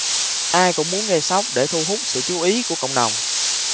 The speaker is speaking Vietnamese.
ai cũng muốn gây sốc để thu hút sự chú ý của cộng đồng